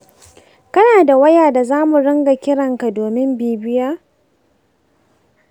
kana da waya da za mu riƙa ƙiranka domin bibiya?